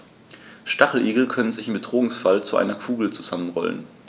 Stacheligel können sich im Bedrohungsfall zu einer Kugel zusammenrollen.